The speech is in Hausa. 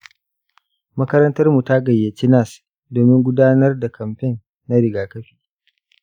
makarantar mu ta gayyaci nas domin gudanar da kamfen na rigakafi.